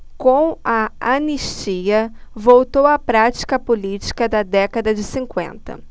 com a anistia voltou a prática política da década de cinquenta